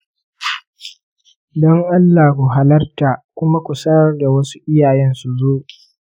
dan allah ku halarta kuma ku sanar da wasu iyayen su zo.